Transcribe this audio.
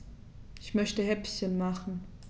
Ich möchte Häppchen machen.